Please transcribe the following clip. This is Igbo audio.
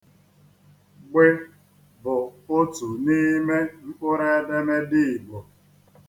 'Gb' bụ otu n'ime mkpụrụedemede Igbo.